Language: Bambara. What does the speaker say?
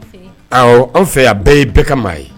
Ɔ an fɛ a bɛɛ ye bɛɛ ka maa ye